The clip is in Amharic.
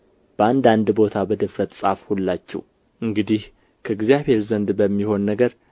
በአንዳንድ ቦታ በድፍረት ጻፍሁላችሁ እንግዲህ ከእግዚአብሔር ዘንድ በሚሆን ነገር